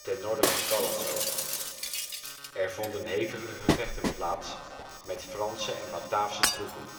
ten noorden van Callantsoog. Er vonden hevige gevechten plaats met Franse en Bataafse troepen